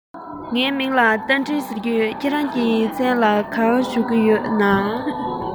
ངའི མིང ལ རྟ མགྲིན ཟེར གྱི ཡོད ཁྱེད རང གི མཚན ལ གང ཞུ གི ཡོད ན